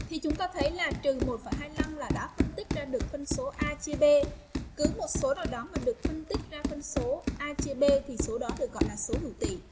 khi chúng ta thấy là và là đó phân tích ra được phân số a chia b cứ một số nào đó là được phân tích ra phân số a chia b thì số đó được gọi là số hữu tỉ